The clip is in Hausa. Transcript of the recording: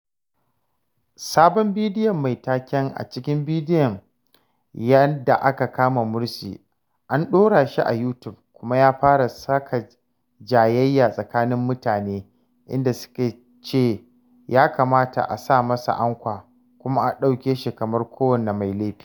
Sabon bidiyon, mai taken “A Cikin Bidiyo, Yanda Aka Kama Morsi”, an ɗora shi a YouTube, kuma ya fara saka jayayya tsakanin mutane [ar] inda suke cewa “ya kamata a sa masa ankwa” kuma “a ɗauke shi kamar kowane mai laifi .”